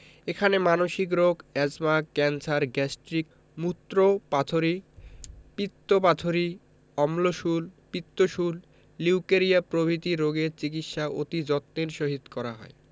এখানে মানসিক রোগ এ্যজমা ক্যান্সার গ্যাস্ট্রিক মুত্রপাথড়ী পিত্তপাথড়ী অম্লশূল পিত্তশূল লিউকেরিয়া প্রভৃতি রোগের চিকিৎসা অতি যত্নের সহিত করা হয়